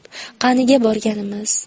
qaniga borganimiz